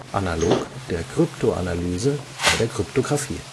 analog der Kryptoanalyse bei der Kryptographie